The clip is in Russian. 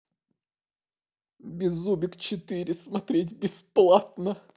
беззубик четыре смотреть бесплатно